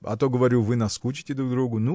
а то, говорю, вы наскучите друг другу.